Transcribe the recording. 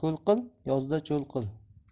qil yozda cho'l qil